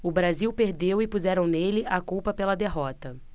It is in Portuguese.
o brasil perdeu e puseram nele a culpa pela derrota